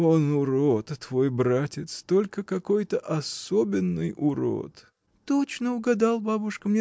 ) Он урод, твой братец, только какой-то особенный урод! — Точно угадал, бабушка